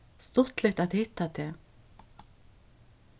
stuttligt at hitta teg